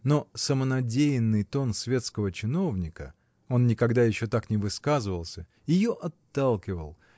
но самонадеянный тон светского чиновника (он никогда еще так не высказывался) ее отталкивал